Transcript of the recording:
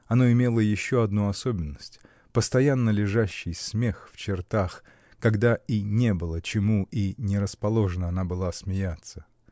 Оно имело еще одну особенность: постоянно лежащий смех в чертах, когда и не было чему и не расположена она была смеяться.